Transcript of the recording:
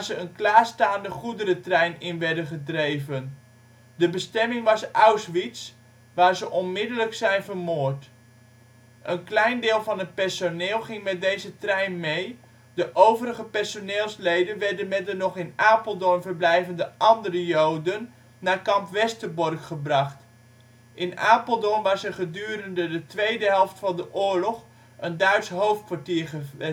een klaarstaande goederentrein in werden gedreven. De bestemming was Auschwitz, waar ze onmiddellijk zijn vermoord. Een klein deel van het personeel ging met deze trein mee, de overige personeelsleden werden met de nog in Apeldoorn verblijvende andere Joden naar Kamp Westerbork gebracht. In Apeldoorn was er gedurende de tweede helft van de oorlog een Duits hoofdkwartier gevestigd, Seyss